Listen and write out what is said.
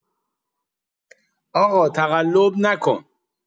آقا تقلب نکن